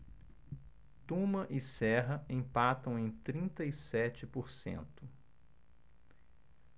tuma e serra empatam em trinta e sete por cento